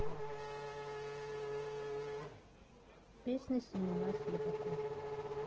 песня семена слепакова